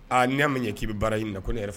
Aa na ma ɲɛ ki bi baara ɲini na ko ne yɛrɛ f